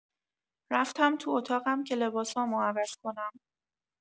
رفتم تو اتاقم که لباسامو عوض کنم.